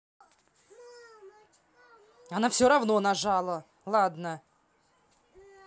она все равно нажала ладно